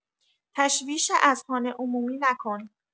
تشویش اذهان عمومی نکن!